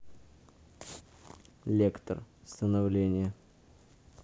лектор становление